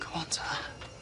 C'm on ta.